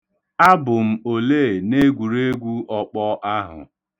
Abụ m olee n'egwureegwu ọkpọ ahụ.